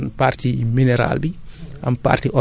maanaam am na liñ naan partie minérale bi